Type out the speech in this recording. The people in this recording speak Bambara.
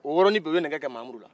o yɔrɔnin bɛ u ye nɛgɛ kɛ mamudu la